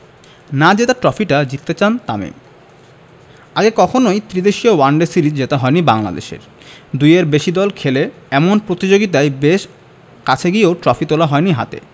না জেতা ট্রফিটা জিততে চান তামিম আগে কখনোই ত্রিদেশীয় ওয়ানডে সিরিজ জেতা হয়নি বাংলাদেশের দুইয়ের বেশি দল খেলে এমন প্রতিযোগিতায় বেশ কাছে গিয়েও ট্রফি তোলা হয়নি হাতে